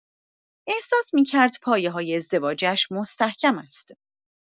احساس می‌کرد پایه‌های ازدواجش مستحکم است.